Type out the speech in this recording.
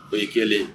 O ye kɛlen